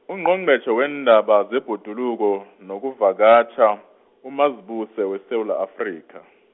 Ungqongqotjhe weendaba zebhoduluko nokuvakatjha, uMazibuse weSewula Afrika.